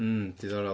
Mm, diddorol.